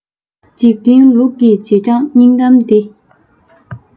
འཇིག རྟེན ལུགས ཀྱི རྗེས འབྲང སྙིང གཏམ འདི